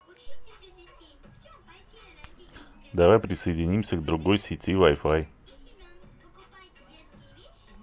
давай присоединимся к другой сети wi fi